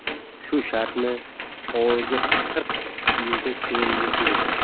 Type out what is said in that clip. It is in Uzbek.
shu shartmi ovulga qirq yilda endi kelishim